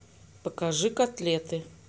покажи котлеты